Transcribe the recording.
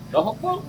Ja ko